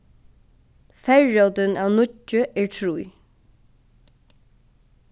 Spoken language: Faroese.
ferrótin av níggju er trý